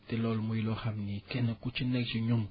te loolu muy loo xam ni kenn ku si nekk si ñun